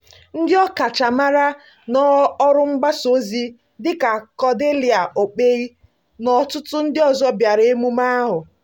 Ndị ọkachamara n'ọrụ mgbasa ozi dịka Cordelia Okpei na ọtụtụ ndị ọzọ bịara emume ahụ.